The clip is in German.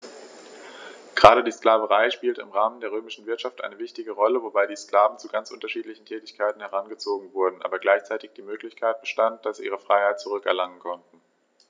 Gerade die Sklaverei spielte im Rahmen der römischen Wirtschaft eine wichtige Rolle, wobei die Sklaven zu ganz unterschiedlichen Tätigkeiten herangezogen wurden, aber gleichzeitig die Möglichkeit bestand, dass sie ihre Freiheit zurück erlangen konnten.